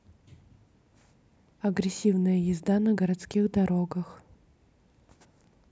агрессивная езда на городских дорогах